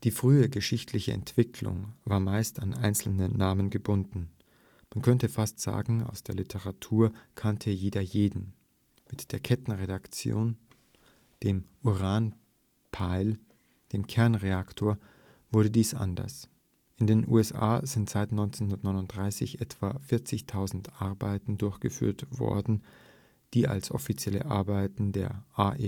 frühe geschichtliche Entwicklung war meist an einzelne Namen gebunden. Man könnte fast sagen, aus der Literatur kannte jeder jeden. Mit der Kettenreaktion, dem Uran-Pile, dem Kernreaktor, wurde dies anders. In den USA sind seit 1939 etwa 40.000 Arbeiten durchgeführt worden, die als offizielle Arbeiten der AEC